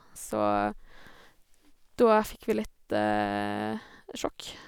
Så da fikk vi litt sjokk.